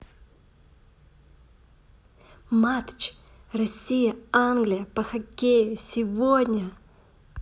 матч россия англия по хоккею сегодня